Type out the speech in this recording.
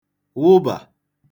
wụbà